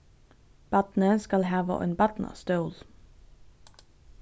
barnið skal hava ein barnastól